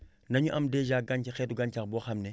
nañu am dèjà gàncax xeetu gàncax boo xam ne